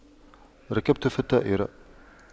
ركبت في الطائرة